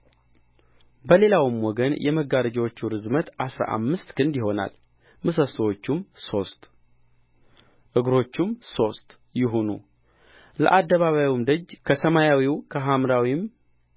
በሌላውም ወገን የመጋረጆች ርዝመት አሥራ አምስት ክንድ ይሆናል ምሰሶቹም ሦስት እግሮቹም ሦስት ይሁኑ ለአደባባዩም ደጅ ከሰማያዊ ከሐምራዊም